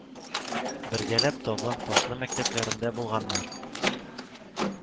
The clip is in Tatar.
Бергәләп Табын, Ташлы мәктәпләрендә булганнар